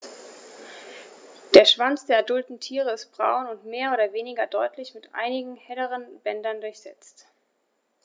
Der Schwanz der adulten Tiere ist braun und mehr oder weniger deutlich mit einigen helleren Bändern durchsetzt.